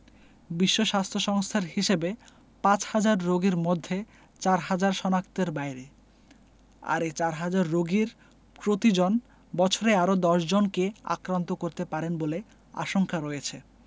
বিশ্ব স্বাস্থ্য সংস্থার হিসেবে পাঁচহাজার রোগীর মধ্যে চারহাজার শনাক্তের বাইরে আর এ চারহাজার রোগীর প্রতিজন বছরে আরও ১০ জনকে আক্রান্ত করতে পারেন বলে আশঙ্কা রয়েছে